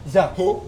Zan ko